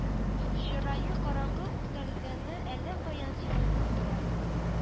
Чырае караңгы үртәлгәне әллә каян сизелеп тора